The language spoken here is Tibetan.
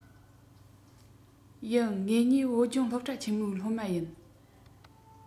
ཡིན ངེད གཉིས བོད ལྗོངས སློབ གྲྭ ཆེན མོའི སློབ མ ཡིན